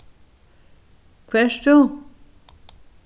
hvar ert tú